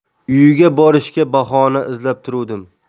uyiga borishga bahona izlab turuvdim